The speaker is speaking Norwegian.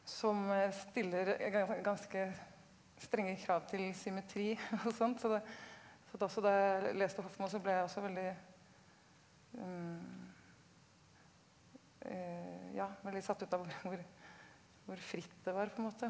som stiller ganske strenge krav til symmetri og sånt så det, så også da jeg leste Hofmo så ble jeg også veldig ja veldig satt ut av hvor hvor hvor fritt det var på en måte.